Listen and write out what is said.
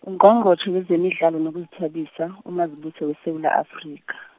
Ungqongqotjhe wezemidlalo nokuzithabisa, uMazibuse weSewula Afrika.